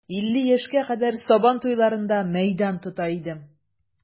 Илле яшькә кадәр сабан туйларында мәйдан тота идем.